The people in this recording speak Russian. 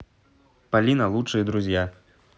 полина лучшие друзья